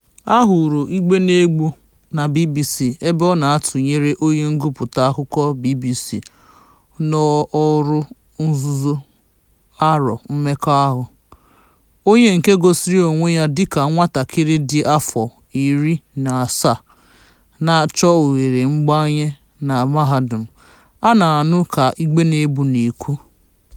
A hụrụ Igbenegbu na BBC ebe ọ na-atụrụ onye ngụpụta akụkọ BBC nọ ọrụ nzuzo aro mmekọahụ, onye nke gosiri onwe ya dị ka nwatakịrị dị afọ 17 na-achọ ohere mbanye na mahadum. A na-anụ ka Igbenegbu na-ekwu: